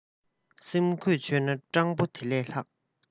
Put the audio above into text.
སེམས གོས ཆོད ན སྤྲང པོ དེ ལས ལྷག